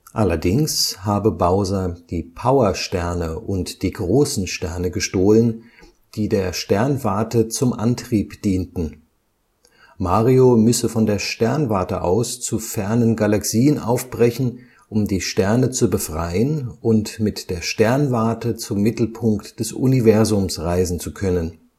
Allerdings habe Bowser die Power - und die Großen Sterne gestohlen, die der Sternwarte zum Antrieb dienten. Mario müsse von der Sternwarte aus zu fernen Galaxien aufbrechen, um die Sterne zu befreien und mit der Sternwarte zum Mittelpunkt des Universums reisen zu können